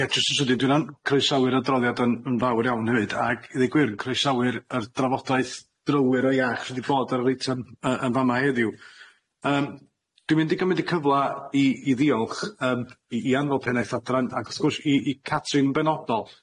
Ie jyst yn sydyn dwi na'n croesawu'r adroddiad yn yn fawr iawn hefyd, ag i ddweud gwir croesawu'r yr drafodaeth drywyr o iach sydd 'di bod ar reitam yym yy yn fa' 'ma heddiw yym dwi'n mynd i gymryd y cyfla i i ddiolch yym i Ian fel pennaeth adran ac wrth gwrs i i Catrin benodol.